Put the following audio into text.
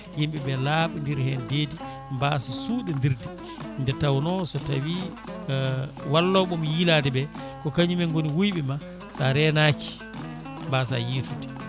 yimɓeɓe laaɓadira hen deedi mbaasa suɗodirde nde tawno so tawi walloɓema yiilade ɓe ko kañumen gooni wuyɓema sa renaki mbaasa yiitude